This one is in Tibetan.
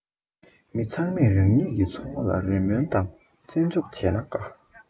མི ཚང མས རང ཉིད ཀྱེ འཚོ བ ལ རེ སྨོན དང རྩེ རྗོག བྱེད ན དགའ